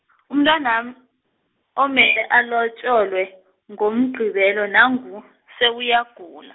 umntwanam-, omele alotjolwe, ngoMgqibelo nangu, sewuyagula.